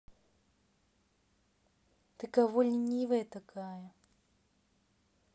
ты кого ленивая такая